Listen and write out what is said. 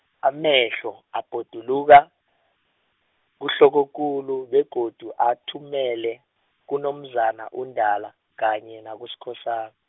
amehlo abhoduluka, kuhlokokulu begodu awathumele, kuNomzana uNdala kanye nakuSkhosana.